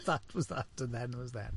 That was that, and then was then.